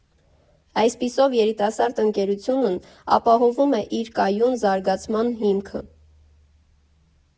Այսպիսով, երիտասարդ ընկերությունն ապահովում է իր կայուն զարգացման հիմքը։